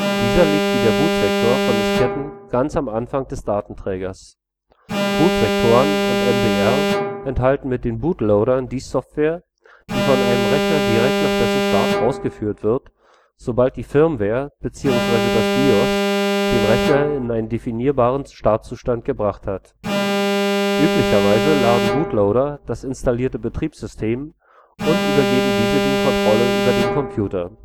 Dieser liegt wie der Bootsektor von Disketten ganz am Anfang des Datenträgers. Bootsektoren und MBR enthalten mit den Bootloadern die Software, die von einem Rechner direkt nach dessen Start ausgeführt wird, sobald die Firmware bzw. das BIOS den Rechner in einen definierten Startzustand gebracht hat. Üblicherweise laden Boot-Loader das installierte Betriebssystem und übergeben diesem die Kontrolle über den Computer